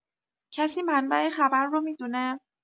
کسی منبع خبر رو می‌دونه؟